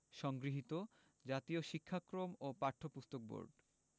সংগৃহীত জাতীয় শিক্ষাক্রম ও পাঠ্যপুস্তক র্বোড